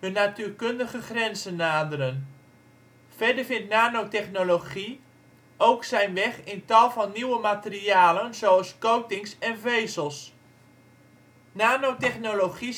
natuurkundige grenzen naderen. Verder vindt nanotechnologie ook zijn weg in tal van nieuwe materialen zoals coatings en vezels. Voorbeelden van nanomaterialen zoals fullereen ofwel Buckyballs gebaseerd op koolstofatomen Nanotechnologie